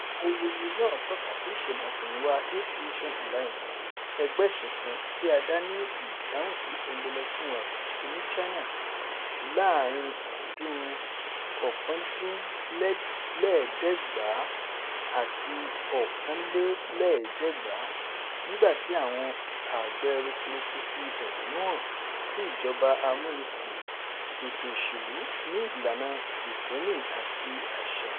Awuyewuye náà tọ́ka sí ìṣẹ̀lẹ̀-àtẹ̀yìnwá Eight-Nation Alliance, ẹgbẹ́ ìṣọ̀kan tí a dá ní ìdáhùnsí Tẹ̀mbẹ̀lẹ̀kun Akànṣẹ́ ní China láàárín-in ọdún 1899 àti 1901 nígbàtí àwọn àgbẹ̀ rokoroko fi ẹ̀hónú hàn sí ìjọba amúnisìn, ètò ìṣèlú ní ìlànà Krìstẹ́nì àti àṣà.